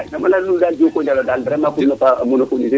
joga la nuun dal jokonjal vraiment o kino paax